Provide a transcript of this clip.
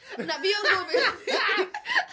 Na, fi oedd yn gofyn...